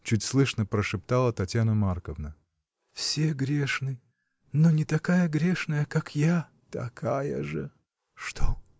— чуть слышно прошептала Татьяна Марковна. — Все грешны. но не такая грешная, как я. — Такая же. — Что?!